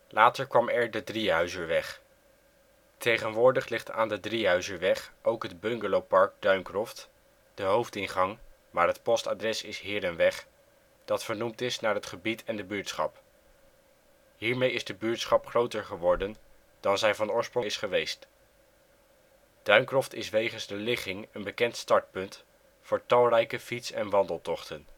Later kwam er de Driehuizerweg. Tegenwoordig ligt aan de Driehuizerweg ook het bungalowpark Duyncroft (hoofdingang, maar het postadres is Herenweg), dat vernoemd is naar het gebied en de buurtschap. Hiermee is de buurtschap groter geworden dan zij van oorsprong is geweest. Duyncroft is wegens de ligging een bekend startpunt voor talrijke fiets - en wandeltochten